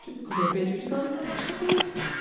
Dwi'm yn cofio be dwi 'di gofyn am yn yr hosan Dolig.